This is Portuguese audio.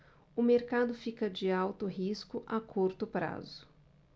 o mercado fica de alto risco a curto prazo